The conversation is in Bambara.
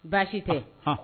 Baasi tɛ